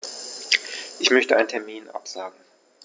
Ich möchte einen Termin absagen.